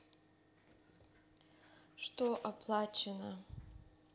что оплачено